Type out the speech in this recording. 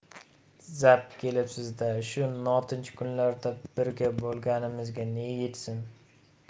zap kelibsizda shu notinch kunlarda birga bo'lganimizga ne yetsin